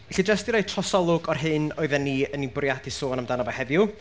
Felly, jyst i roi trosolwg o'r hyn oedden ni yn ei bwriadu sôn amdano fe heddiw.